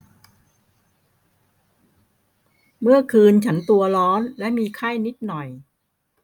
เมื่อคืนฉันตัวร้อนและมีไข้นิดหน่อย